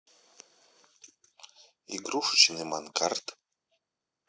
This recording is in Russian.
игрушечный монкарт